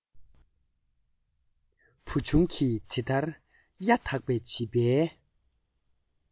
བུ ཆུང གིས དེ ལྟར གཡའ དག པའི བྱིས པའི